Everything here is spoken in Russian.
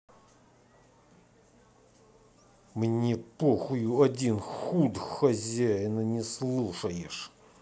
мне похую один худ хозяина не слушаешь